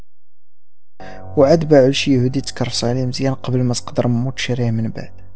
وعد مع شيء فديتك رساله زين قبل ما تقدر امك شريحه من